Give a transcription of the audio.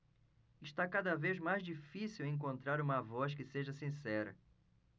está cada vez mais difícil encontrar uma voz que seja sincera